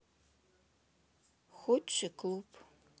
худший клуб